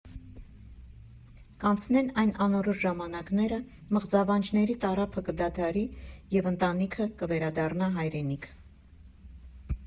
Կանցնեն այս անորոշ ժամանակները, մղձավանջների տարափը կդադարի, և ընտանիքը կվերադառնա հայրենիք։